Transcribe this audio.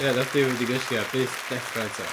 Ie nath Duw mynd i gysgu a byth deffro eto.